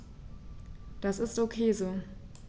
Das ist ok so.